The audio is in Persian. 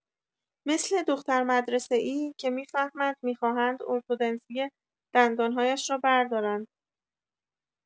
مثل دخترمدرسه‌ای که می‌فهمد می‌خواهند ارتودنسی دندان‌هایش را بردارند.